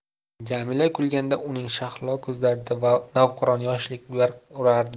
jamila kulganda uning shahlo ko'zlarida navqiron yoshlik barq urardi